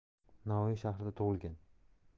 navoiy shahrida tug'ilgan